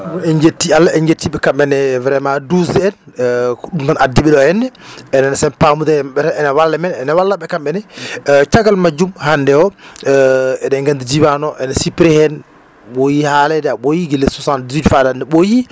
en jetti Allah en jettiɓe kamɓene vraiment dusde en ko ɗum tan addiɓe ɗo henna enen sen paamodire mabɓe tan ene walla men ene wallaɓe kamɓene caggal majjum hande % eɗen gandi diwan aɗa sippiri hen a ɓooyi haalede a ɓooyi guila 78 faade hande ɓooyi